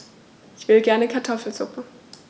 Ich will gerne Kartoffelsuppe.